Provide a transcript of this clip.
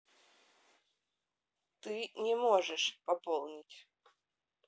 ты не можешь пополнить